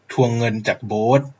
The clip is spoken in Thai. ทวงเงินจากโบ๊ท